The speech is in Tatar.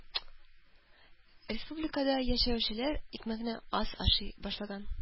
Республикада яшәүчеләр икмәкне аз ашый башлаган